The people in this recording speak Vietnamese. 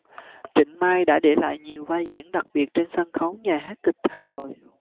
trịnh mai đã để lại nhiều vai diễn đặc biệt trên sân khấu nhà hát kịch hà nội